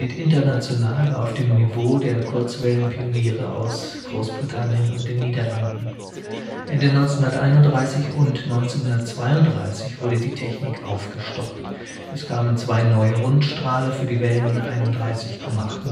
international war auf dem Niveau der Kurzwellenpioniere aus Großbritannien und den Niederlanden. Ende 1931 und 1932 wurde die Technik aufgestockt: Es kamen zwei neue Rundstrahler für die Wellen 31,38